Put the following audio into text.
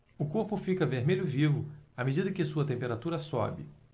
o corpo fica vermelho vivo à medida que sua temperatura sobe